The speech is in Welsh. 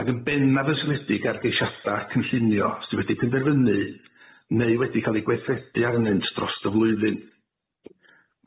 Ag yn bennaf yn syliedig ar geishada cynllunio sy wedi penderfynu neu wedi ca'l ei gweithredu arnynt drost y flwyddyn.